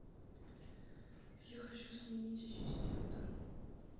я хочу сменить ассистента